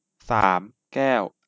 สามแก้ว